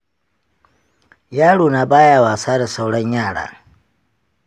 yarona ba ya wasa da sauran yara